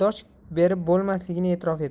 dosh berib bo'lmasligini etirof etadi